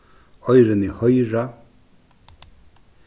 oyruni hoyra